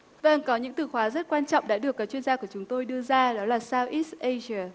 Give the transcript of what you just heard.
vâng có những từ khóa rất quan trọng đã được chuyên gia của chúng tôi đưa ra đó là sao ít ây dờ